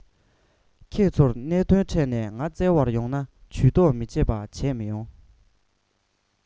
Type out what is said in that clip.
ཁྱེད ཚོར གནད དོན འཕྲད ནས ང བཙལ བར ཡོང ན ཇུས གཏོགས མི བྱེད པ བྱས མ ཡོང